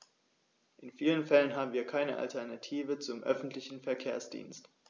In vielen Fällen haben wir keine Alternative zum öffentlichen Verkehrsdienst.